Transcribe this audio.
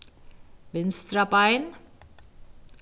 vinstra bein